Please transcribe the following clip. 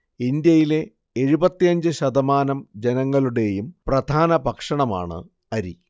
ഇന്ത്യയിലെ എഴുപത്തിയഞ്ച് ശതമാനം ജനങ്ങളുടേയും പ്രധാന ഭക്ഷണമാണ് അരി